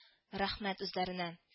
Рәхмәт үзләренә